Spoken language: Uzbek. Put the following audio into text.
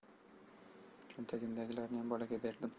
cho'ntagimdagilarniyam bolaga berdim